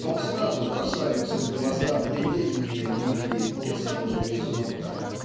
вам сразу бросаются в глаза предельные линии тесного горизонта.